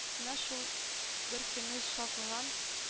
Менә шул беркөнне шакыган